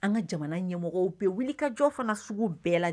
An ka jamana ɲɛmɔgɔw bɛ wulikajɔ fana sugu bɛɛ lajɛ